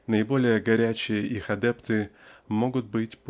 наиболее горячие их адепты могут быть